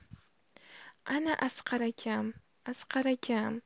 ana asqar akam asqar akam